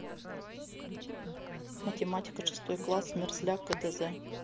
математика шестой класс мерзляк гдз